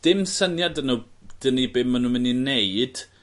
dim syniad 'da n'w dwn i be' ma n'w myn' neud